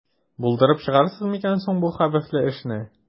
Булдырып чыгарсыз микән соң бу хәвефле эшне?